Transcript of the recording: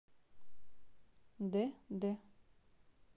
д д